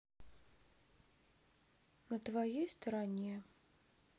на твоей стороне